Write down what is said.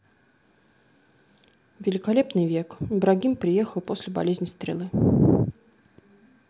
великолепный век ибрагим приехал после болезни стрелы